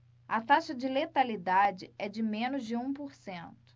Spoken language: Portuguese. a taxa de letalidade é de menos de um por cento